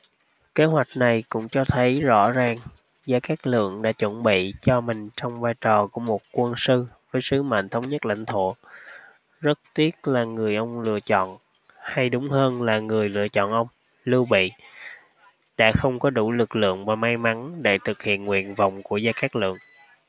kế hoạch này cũng cho thấy rằng rõ ràng gia cát lượng đã chuẩn bị cho mình trong vai trò của một quân sư với sứ mệnh thống nhất lãnh thổ rất tiếc là người ông lựa chọn hay đúng hơn là người lựa chọn ông lưu bị đã không có đủ lực lượng và may mắn để thực hiện nguyện vọng của gia cát lượng